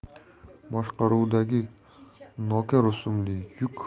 boshqaruvidagi noka rusumli yuk